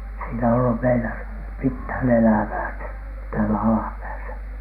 siinä ollut meillä mitään elävää täällä alapäässä